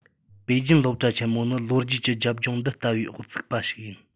པེ ཅིན སློབ གྲྭ ཆེན མོ ནི ལོ རྒྱུས ཀྱི རྒྱབ ལྗོངས འདི ལྟ བུའི འོག བཙུགས པ ཞིག ཡིན